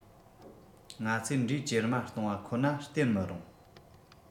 ང ཚོའི འགྲོས ཇེ དམའ སྟོང བ ཁོ ན བརྟེན མི རུང